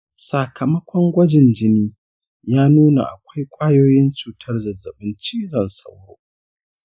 sakamakon gwajin jini ya nuna akwai kwayoyin cutar zazzabin cizon sauro